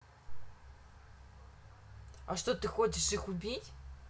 а что ты хочешь их убить